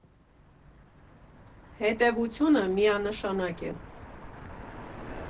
Հետևությունը միանշանակ է.